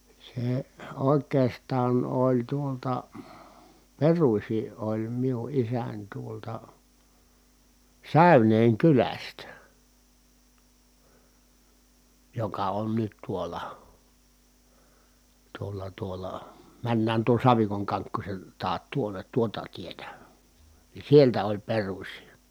se oikeastaan oli tuolta peruisin oli minun isäni tuolta Säyneen kylästä joka on nyt tuolla tuolla tuolla mennään tuon Savikon Kankkusen taa tuonne tuota tietä niin sieltä oli peruisin